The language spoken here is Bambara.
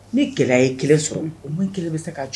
Ni kɛlɛ ye kɛlɛ sɔrɔ o mun kelen bɛ se k'a cogo